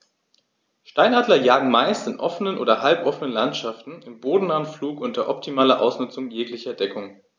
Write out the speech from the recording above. Steinadler jagen meist in offenen oder halboffenen Landschaften im bodennahen Flug unter optimaler Ausnutzung jeglicher Deckung.